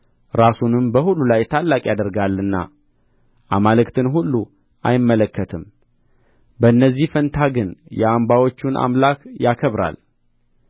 ራሱንም በሁሉ ላይ ታላቅ ያደርጋልና አማልክትን ሁሉ አይመለከትም በእነዚህ ፋንታ ግን የአምባዎቹን አምላክ ያከብራል